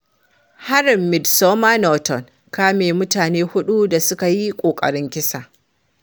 Harin Midsomer Norton: Kame mutane huɗu da suka yi ƙoƙarin kisa